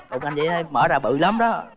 làm vậy thôi mỡ là bự lắm đó